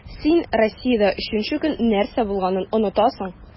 Син Россиядә өченче көн нәрсә булганын онытасың.